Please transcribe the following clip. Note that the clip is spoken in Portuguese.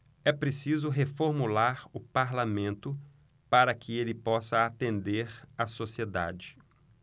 é preciso reformular o parlamento para que ele possa atender a sociedade